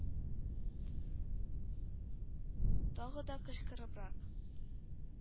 Тагы да кычкырыбрак: